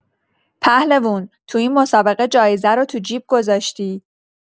پهلوون، تو این مسابقه جایزه رو تو جیب گذاشتی!